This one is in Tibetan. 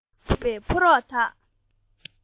འཕུར ལྡིང བྱེད བའི ཕོ རོག དག